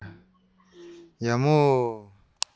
རྗེས སུ མཇལ ཡོང